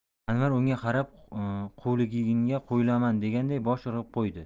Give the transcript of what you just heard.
anvar unga qarab quvligingga qoyilman deganday bosh irg'ab qo'ydi